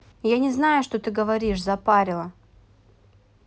я не знаю что ты говоришь запарила